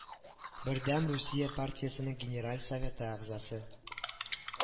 Бердәм русия партиясенең генераль советы әгъзасы